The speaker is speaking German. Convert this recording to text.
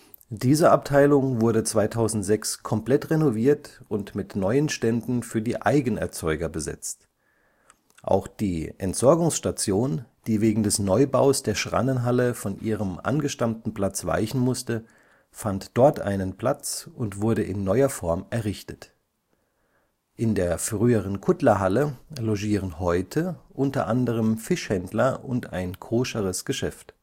Diese Abteilung wurde 2006 komplett renoviert und mit neuen Ständen für die Eigenerzeuger besetzt. Auch die Entsorgungsstation, die wegen des Neubaus der Schrannenhalle von ihrem angestammten Platz weichen musste, fand dort einen Platz und wurde in neuer Form errichtet. In der früheren Kuttlerhalle logieren heute unter anderem Fischhändler und ein koscheres Geschäft